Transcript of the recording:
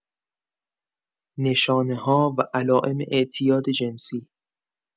نشانه‌ها و علائم اعتیاد جنسی